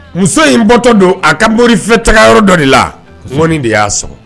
Muso in bɔtɔ don a ka moriri fi taga yɔrɔ dɔ de la fɔ de y'a sɔrɔ